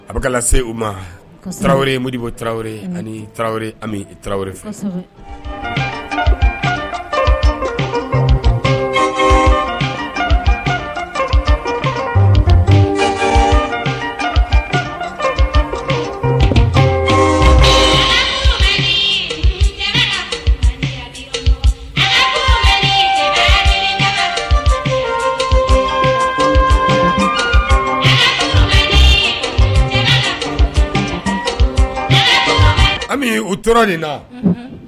A bɛka se u ma taraweleri modibo tarawele ani tarawele tarawele u tora nin la